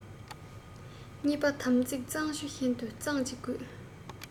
གཉིས པ དམ ཚིག གཙང ཆུ བཞིན དུ གཙང གཅིག དགོས